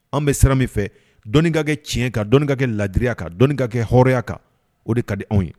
An bɛ siran min fɛ dɔni ka kɛ tiɲɛ kan dɔn ka kɛ ladiriya kan dɔni ka kɛ hya kan o de ka di anw ye